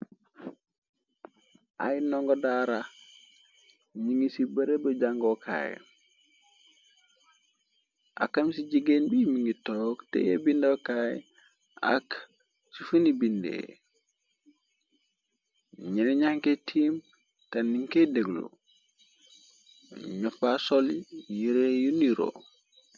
Ay ndongo daara nu ngi ci bere ba jàngookaay akam ci jigéen bi mingi toog te ye bindookaay ak ci funi bindee ñene ñanke tiim te niñ key deglu ñofa sol yirée yu niro.